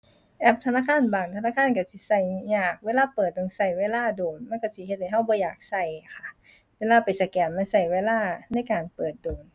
แอปธนาคารบางธนาคารก็สิก็ยาก เวลาเปิดต้องก็เวลาโดน มันก็สิเฮ็ดให้ก็บ่อยากก็ค่ะ เวลาไปสแกนมันก็เวลาในการเปิดโดน